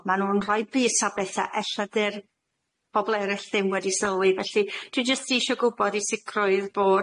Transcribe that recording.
Ma' nw'n rhoi bys ar betha ella 'dy'r bobol erill ddim wedi sylwi. Felly dwi jyst isio gwbod i sicrwydd bod